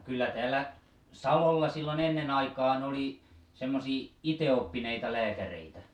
kyllä täällä salolla silloin ennen aikaan oli semmoisia itseoppineita lääkäreitä